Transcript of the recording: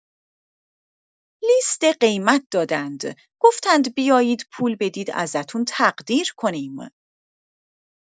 لیست قیمت دادند گفتند بیاید پول بدید ازتون تقدیر کنیم.